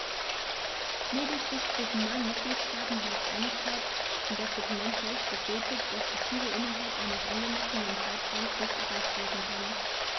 Lediglich zwischen neun Mitgliedsstaaten herrscht Einigkeit, und das Dokument selbst bestätigt, dass die Ziele innerhalb eines angemessenen Zeitraums nicht erreicht werden können.